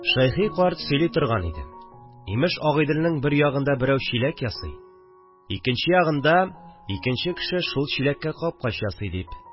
Шәйхи карт сөйли торган иде: имеш, Агыйделнең бер ягында берәү чиләк ясый, икенче ягында икенче кеше шул чиләккә капкач ясый, дип